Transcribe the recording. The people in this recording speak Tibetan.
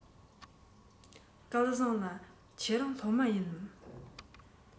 སྐལ བཟང ལགས ཁྱེད རང སློབ མ ཡིན ནམ